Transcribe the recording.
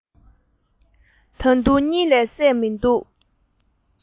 ད དུང གཉིད ལས སད མི འདུག